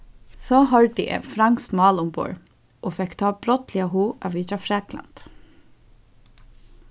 so hoyrdi eg franskt mál umborð og fekk tá brádliga hug at vitja frakland